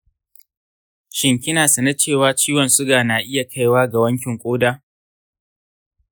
shin kina sane cewa ciwon suga na iya kaiwa ga wankin koda?